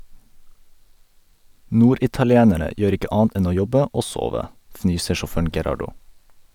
- Norditalienere gjør ikke annet enn å jobbe og sove, fnyser sjåføren Gerardo.